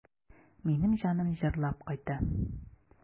Минем җаным җырлап кайта.